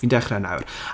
Fi'n dechrau nawr.